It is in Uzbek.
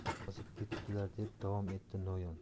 ozib ketibdilar deb davom etdi no'yon